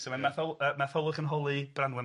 So mae Mathol- yy Matholwch yn holi Branwen,